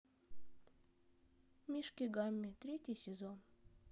мишки гамми третий сезон